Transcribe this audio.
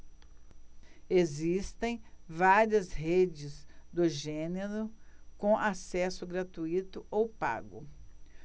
existem várias redes do gênero com acesso gratuito ou pago